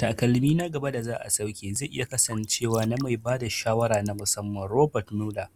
Takalmi na gaba da za a sauke zai iya kasancewa na mai bada shawara na musamman Robert Mueller